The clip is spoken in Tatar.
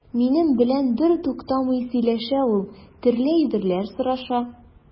Минем белән бертуктамый сөйләшә ул, төрле әйберләр сораша.